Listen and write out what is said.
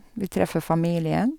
Vi treffer familien.